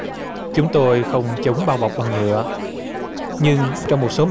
chúng tôi không chống bao bọc bằng nhựa nhưng trong một số